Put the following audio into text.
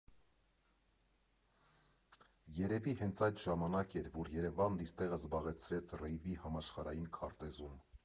Երևի հենց այդ ժամանակ էր, որ Երևանն իր տեղը զբաղեցրեց ռեյվի համաշխարհային քարտեզում։